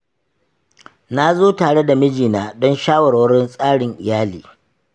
na zo tare da mijina don shawarwarin tsarin iyali.